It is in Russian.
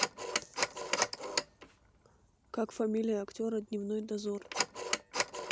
как фамилия актера дневной дозор